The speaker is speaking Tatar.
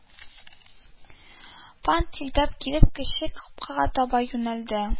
Пан-тилпән килеп, кече капкага таба юнәлде